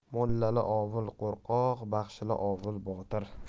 mullali ovul qo'rqoq baxshili ovul botir